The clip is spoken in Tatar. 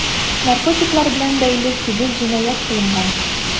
Наркотиклар белән бәйле 8 җинаять кылынган.